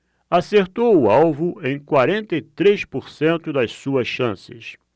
acertou o alvo em quarenta e três por cento das suas chances